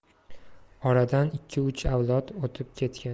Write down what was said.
oradan ikki uch avlod o'tib ketgan